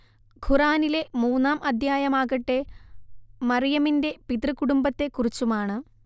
ഖുർആനിലെ മൂന്നാം അധ്യായമാകട്ടെ മർയമിന്റെ പിതൃകുടുംബത്തെ കുറിച്ചുമാണ്